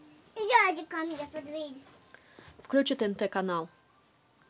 включить тнт канал